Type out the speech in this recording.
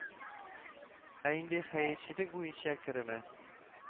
Ә инде хәерчелек буенча кереме